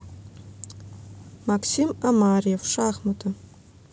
максим омариев шахматы